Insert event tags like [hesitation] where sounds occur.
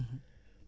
[hesitation] [hesitation]